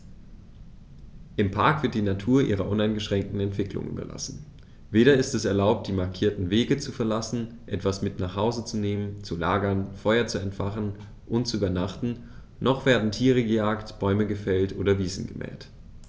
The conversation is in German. Im Park wird die Natur ihrer uneingeschränkten Entwicklung überlassen; weder ist es erlaubt, die markierten Wege zu verlassen, etwas mit nach Hause zu nehmen, zu lagern, Feuer zu entfachen und zu übernachten, noch werden Tiere gejagt, Bäume gefällt oder Wiesen gemäht.